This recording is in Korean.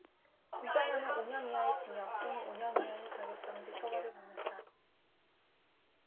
위반하면 오 년 이하의 징역 또는 오 년 이하의 자격정지 처벌을 받는다